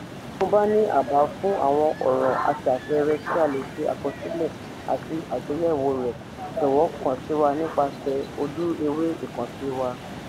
Bí o bá ní àbá fún àwọn ọ̀ràn aṣàpẹẹrẹ tí a lè ṣe àkọsílẹ̀ àti àgbéyẹ̀wò rẹ̀ jọ̀wọ́ kàn sí wa nípasẹ̀ ojú-ewé ìkànsí wa.